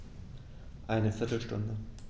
Eine viertel Stunde